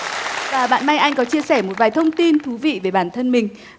và bạn mai anh có chia sẻ một vài thông tin thú vị về bản thân mình